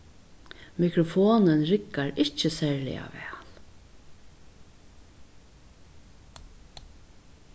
mikrofonin riggar ikki serliga væl